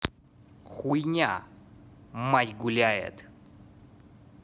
хуйня мать гуляет